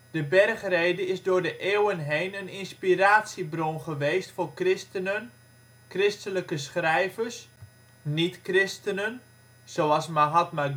De bergrede is door de eeuwen heen een inspiratiebron geweest voor christenen, christelijke schrijvers, niet-christenen (zoals Mahatma